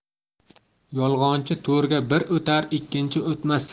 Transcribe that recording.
yolg'onchi to'rga bir o'tar ikkinchi o'tmas